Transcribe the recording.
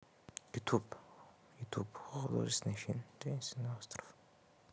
ютуб художественный фильм таинственный остров